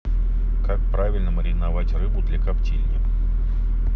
как правильно мариновать рыбу для коптильни